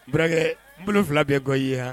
Barakɛ bolowula bɛ gi yan